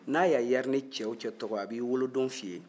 n'a y'a yari ni cɛ wo cɛ tɔgɔ ye a b'i wolodon f'i ye